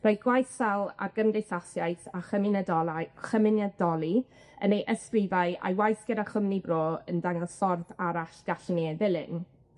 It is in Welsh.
roedd gwaith Sel ar gymdeithasiaeth a chymunedolau chymuniadoli yn ei ysgrifau a'i waith gyda chwmni Bro yn dangos ffordd arall gallwn ni ei ddilyn.